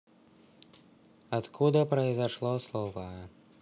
откуда произошло слово